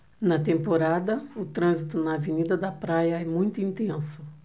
na temporada o trânsito na avenida da praia é muito intenso